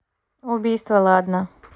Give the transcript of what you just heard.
убийство ладно